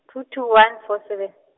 two two one, four seven.